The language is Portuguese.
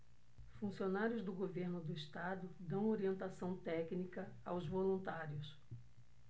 funcionários do governo do estado dão orientação técnica aos voluntários